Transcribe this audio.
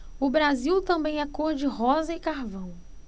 o brasil também é cor de rosa e carvão